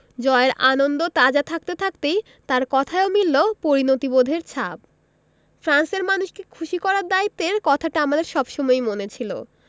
জয়ের আনন্দ তাজা থাকতে থাকতেই তাঁর কথায়ও মিলল পরিণতিবোধের ছাপ ফ্রান্সের মানুষকে খুশি করার দায়িত্বের কথাটা আমাদের সব সময়ই মনে ছিল